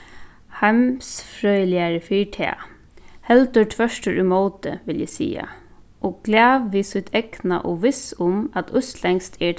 fyri tað heldur tvørturímóti vil eg siga og glað við sítt egna og viss um at íslendskt er